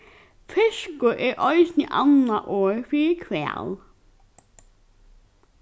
fiskur er eisini annað orð fyri hval